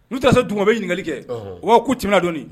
N'u taara se dun bɛ ɲinili kɛ u'a ko ti don